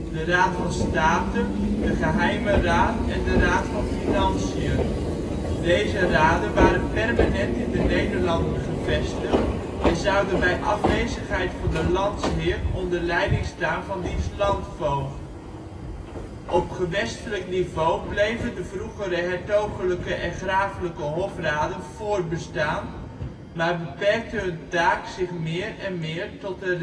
de Raad van State, de Geheime Raad en de Raad van Financiën. Deze raden waren permanent in de Nederlanden gevestigd en zouden bij afwezigheid van de landsheer onder leiding staan van diens landvoogd. Op gewestelijk niveau bleven de vroegere hertogelijke en grafelijke hofraden voortbestaan, maar beperkte hun taak zich meer en meer tot de